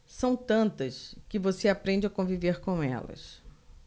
são tantas que você aprende a conviver com elas